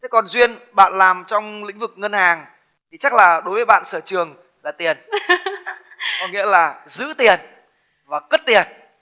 thế còn duyên bạn làm trong lĩnh vực ngân hàng thì chắc là đối với bạn sở trường là tiền có nghĩa là giữ tiền và cất tiền